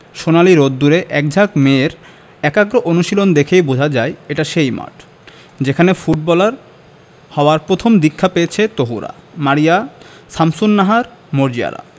সোনালি রোদ্দুরে একঝাঁক মেয়ের একাগ্র অনুশীলন দেখেই বোঝা যায় এটাই সেই মাঠ যেখানে ফুটবলার হওয়ার প্রথম দীক্ষা পেয়েছে তহুরা মারিয়া শামসুন্নাহার মর্জিয়ারা